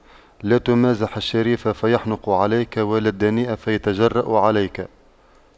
لا تمازح الشريف فيحنق عليك ولا الدنيء فيتجرأ عليك